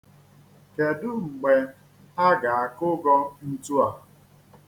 Kedụ mgbe a ga-akụgọ ntu a?